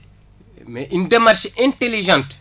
mais une démarche intelligente